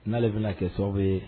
N'ale bɛna kɛ so bɛ ye